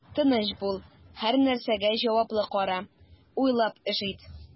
Тыныч бул, һәрнәрсәгә җаваплы кара, уйлап эш ит.